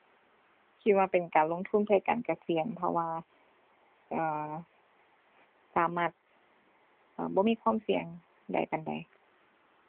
คิดว่าเป็นการลงทุนเพื่อการเกษียณ เพราะว่า เอ่อ สามารถ เอ่อ บ่มีความเสี่ยงได้ปานใด